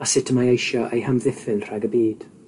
a sut y mae eisio eu hamddiffyn rhag y byd.